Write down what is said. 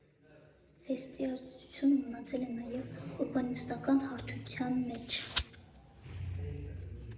Ֆեստի ազդեցությունը մնացել է նաև ուրբանիստական հարթության մեջ.